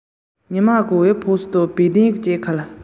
ང རང ཁ རོག གེར སོང ནས